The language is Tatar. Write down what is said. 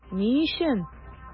Ни өчен?